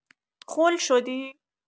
خل شدی؟